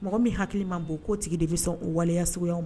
Mɔgɔ min hakili ma bɔ ko tigi de bɛ sɔn waleyasow